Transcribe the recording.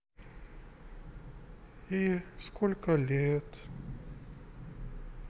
и сколько лет